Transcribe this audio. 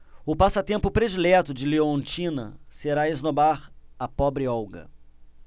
o passatempo predileto de leontina será esnobar a pobre olga